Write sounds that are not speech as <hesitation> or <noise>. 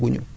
<hesitation> <hesitation>